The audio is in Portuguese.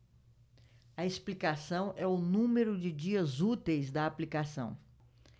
a explicação é o número de dias úteis da aplicação